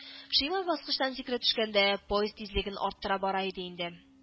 Шимай баскычтан сикереп төшкәндә, поезд тизлеген арттыра бара иде инде